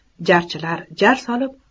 jarchilar jar solib